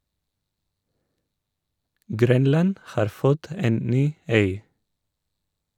Grønland har fått en ny øy.